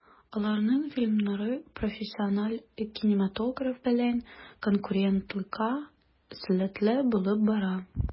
Аларның фильмнары профессиональ кинематограф белән конкурентлыкка сәләтле булып бара.